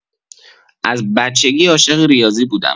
از بچگی عاشق ریاضی بودم